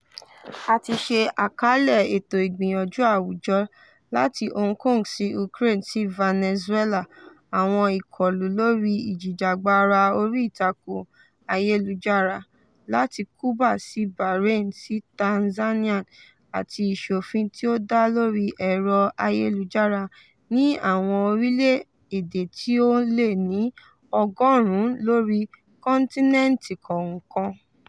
A ti ṣe àkàálẹ̀ ẹ̀tọ́ ìgbìyànjú àwùjọ láti Hong Kong sí Ukraine SÍ Venezuela, àwọn ìkọlù lórí ìjìjàgbara orí ìtàkùn ayélujára láti Cuba sí Bahrain sí Tanzania, àti ìṣòfin tí ó dá lórí ẹ̀rọ ayélujára ní àwọn orílẹ̀ èdè tí ó lé ní ọgọ́rùn-ún lórí kọ́ńtínẹ́ńtì kọ̀ọ̀kan.